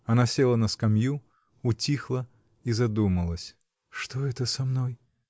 Она села на скамью, утихла и задумалась. — Что это со мной?